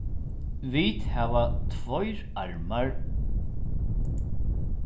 vit hava tveir armar